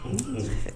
'a fɛ